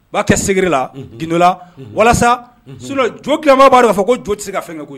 U b'a kɛ seginna la kidola walasa so jo tileba b'a' fɔ ko jo tɛ se ka fɛn kɛ koyi